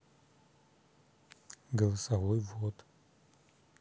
голосовой ввод